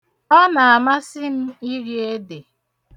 Ọ na-amasị m iri ede.